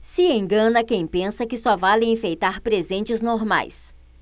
se engana quem pensa que só vale enfeitar presentes normais